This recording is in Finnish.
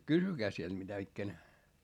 kysykää siellä mitä ikänä